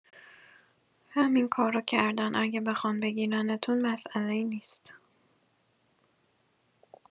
همین کارو کردن اگر بخوان بگیرنتون مساله‌ای نیست